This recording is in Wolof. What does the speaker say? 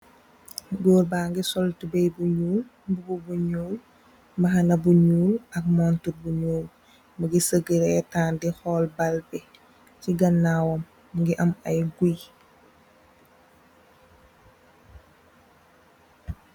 Goor bangi sol tubay bu nyuul, mbubu bu nyuul, bahana bu nyuul, ak montor bu nyuul, mingi saag reetan di xol bul bi, si ganawam mingi am ay guy